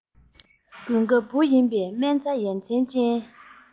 དགུན ཁ འབུ ཡིན བའི སྨན རྩྭ ཡ མཚན ཅན